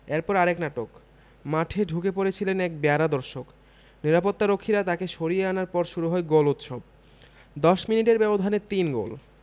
এরপর আরেক নাটক মাঠে ঢুকে পড়েছিলেন এক বেয়াড়া দর্শক নিরাপত্তারক্ষীরা তাকে সরিয়ে আনার পর শুরু হয় গোল উৎসব ১০ মিনিটের ব্যবধানে তিন গোল